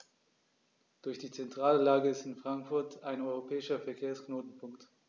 Durch die zentrale Lage ist Frankfurt ein europäischer Verkehrsknotenpunkt.